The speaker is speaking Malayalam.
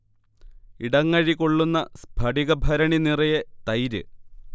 ഇടങ്ങഴി കൊള്ളുന്ന സ്ഫടിക ഭരണി നിറയെ തൈര്